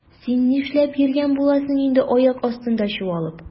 Син нишләп йөргән буласың инде аяк астында чуалып?